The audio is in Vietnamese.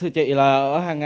thưa chị là ở hàng